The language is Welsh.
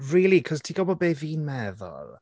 Rili 'cause ti'n gwybod be fi'n meddwl?